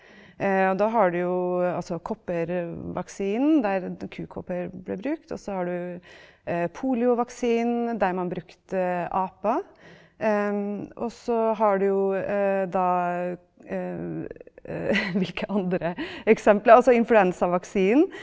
og da har du jo altså koppervaksinen der kukopper ble brukt, også har du poliovaksinen der man brukte aper også har du jo da hvilke andre eksempler altså influensavaksinen,